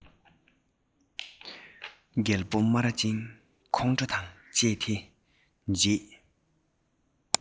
རྒད པོ སྨ ར ཅན ཁོང ཁྲོ དང བཅས སོང རྗེས